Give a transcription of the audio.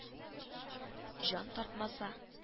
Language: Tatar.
Җан тартмаса